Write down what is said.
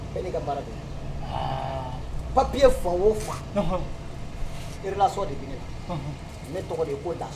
Papi fa faa ila de ne tɔgɔ de ko ta